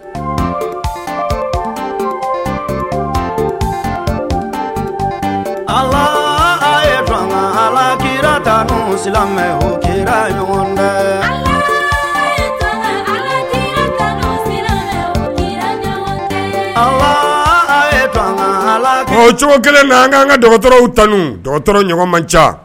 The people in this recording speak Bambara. A alaki o ɲɔgɔn a ala cogo kelen bɛ ka kan ka dɔgɔtɔrɔw tan dɔgɔtɔrɔ ɲɔgɔn man ca